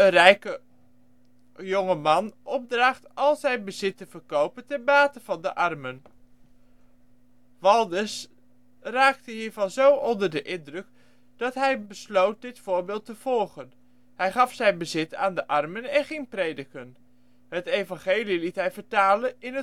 rijke jongeman opdraagt al zijn bezit te verkopen ten bate van de armen. Valdez raakte hiervan zo onder de indruk dat hij besloot dit voorbeeld te volgen. Hij gaf zijn bezit aan de armen en ging prediken. Het evangelie liet hij vertalen in het